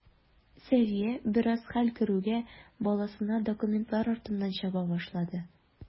Сәвия, бераз хәл керүгә, баласына документлар артыннан чаба башлады.